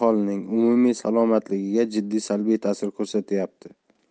aholining umumiy salomatligiga jiddiy salbiy ta'sir ko'rsatyapti